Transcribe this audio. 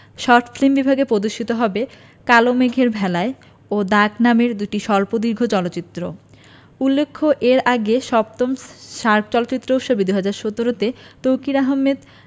short film বিভাগে প্রদর্শিত হবে কালো মেঘের ভেলায় ও দাগ নামের দুটি স্বল্পদৈর্ঘ চলচ্চিত্র উল্লেখ্য এর আগে ৭ম সার্ক চলচ্চিত্র উৎসব ২০১৭ তে তৌকীর আহমেদ